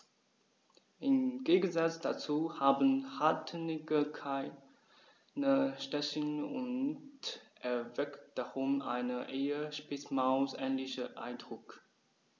Im Gegensatz dazu haben Rattenigel keine Stacheln und erwecken darum einen eher Spitzmaus-ähnlichen Eindruck.